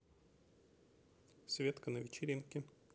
светка на вечеринке